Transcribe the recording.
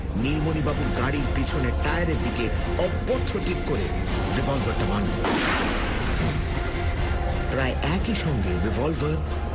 নীলমণিবাবুর গাড়ির পিছনের টায়ারের দিকে অব্যর্থ টিপ করে রিভলভারটা মারল প্রায় একই সঙ্গে রিভলভার